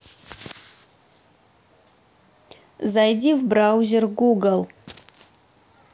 зайди в браузер google